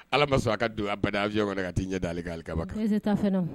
Ala man sɔn a ka don abada avion kɔnɔ ka t'i ɲɛ da ale ka alikaba kan.